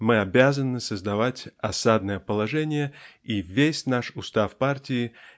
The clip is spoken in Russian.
мы обязаны создавать "осадное положение" и весь наш устав партии